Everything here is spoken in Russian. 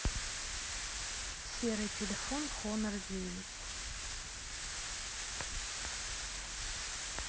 серый телефон honor девять